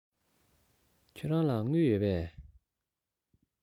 ཁྱེད རང ལ དངུལ ཡོད པས